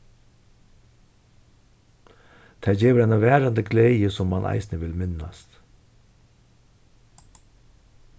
tað gevur eina varandi gleði sum mann eisini vil minnast